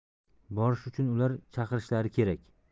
borish uchun ular chaqirishlari kerak